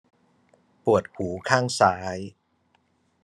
ปวดหูข้างซ้าย